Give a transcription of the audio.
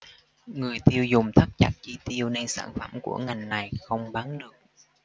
người tiêu dùng thắt chặt chi tiêu nên sản phẩm của ngành này không bán được